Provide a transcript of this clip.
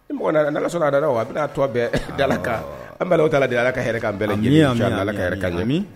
Ni sɔnna a dada wa a bɛna'a tɔ bɛɛ da kan an' ta la de ala ka kami